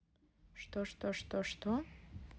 что что что что что